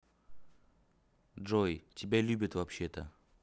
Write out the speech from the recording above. джой тебя любят вообще то